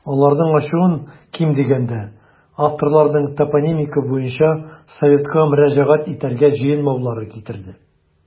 Аларның ачуын, ким дигәндә, авторларның топонимика буенча советка мөрәҗәгать итәргә җыенмаулары китерде.